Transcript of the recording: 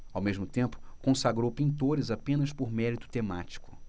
ao mesmo tempo consagrou pintores apenas por mérito temático